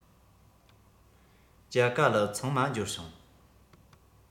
ཇ ག ལི ཚང མ འབྱོར བྱུང